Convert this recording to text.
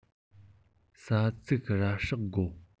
ས ཚིག ར སྲེག དགོ